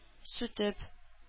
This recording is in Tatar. Сүтеп